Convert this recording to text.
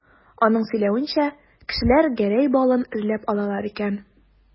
Аның сөйләвенчә, кешеләр Гәрәй балын эзләп алалар икән.